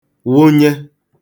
wụnye